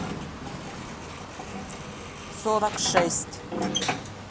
сорок шесть